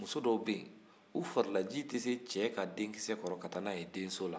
muso dɔw bɛ yen u farilaji tɛ se cɛ ka denkisɛ kɔrɔ ka taa n'a ye denso la